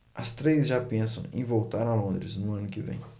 as três já pensam em voltar a londres no ano que vem